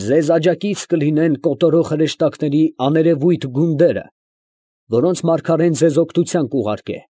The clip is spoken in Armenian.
Զեզ աջակից կլինեն կոտորող հրեշտակների աներևույթ գունդերը, որոնց մարգարեն ձեզ օգնության կուղարկե։